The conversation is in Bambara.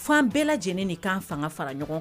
Fan bɛɛ lajɛlen ni kan fanga fara ɲɔgɔn